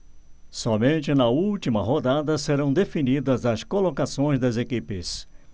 somente na última rodada serão definidas as colocações das equipes